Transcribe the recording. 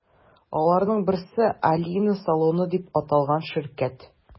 Аларның берсе – “Алина салоны” дип аталган ширкәт.